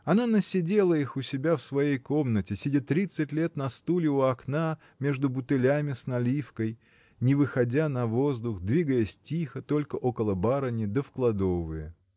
Она насидела их у себя в своей комнате, сидя тридцать лет на стуле у окна, между бутылями с наливкой, не выходя на воздух, двигаясь тихо, только около барыни да в кладовые.